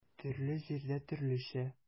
Төрле җирдә төрлечә.